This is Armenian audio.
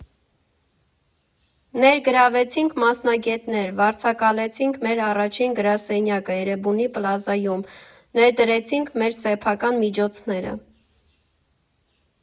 Ներգրավեցինք մասնագետներ, վարձակալեցինք մեր առաջին գրասենյակը Էրեբունի֊պլազայում, ներդրեցինք մեր սեփական միջոցները։